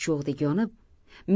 cho'g'dek yonib